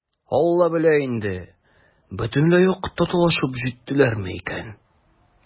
«алла белә инде, бөтенләй үк татулашып җиттеләрме икән?»